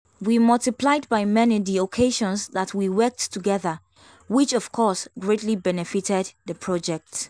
We multiplied by many the occasions that we worked together, which of course, greatly benefitted the project!